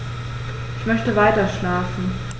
Ich möchte weiterschlafen.